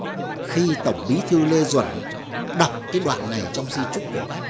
khi tổng bí thư lê duẩn đọc cái đoạn này trong di chúc của bác